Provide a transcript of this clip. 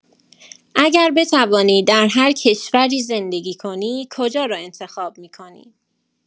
اگر بتوانی در هر کشوری زندگی کنی کجا را انتخاب می‌کنی؟